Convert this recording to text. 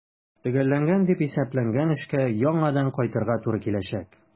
Төгәлләнгән дип исәпләнгән эшкә яңадан кайтырга туры киләчәк.